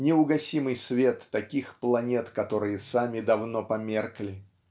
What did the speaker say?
неугасимый свет таких планет, которые сами давно померкли.